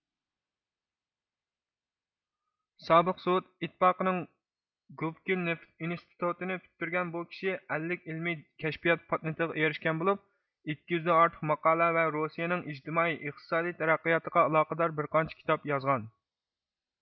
سابىق سوۋېت ئىتتىپاقىنىڭ گۇبكىن نېفىت ئېنىستىتوتىنى پۈتتۈرگەن بۇ كىشى ئەللىك ئىلمىي كەشپىيات پاتېنتىغا ئېرىشكەن بولۇپ ئىككى يۈزدىن ئارتۇق ماقالە ۋە روسىيىنىڭ ئىجتىمائىي ئىقتىسادىي تەرەققىياتىغا ئالاقىدار بىر قانچە كىتاب يازغان